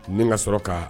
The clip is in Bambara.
Ni ka sɔrɔ ka